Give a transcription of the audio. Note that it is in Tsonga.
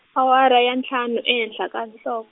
awara ya ntlhanu ehenhla ka nhlo-.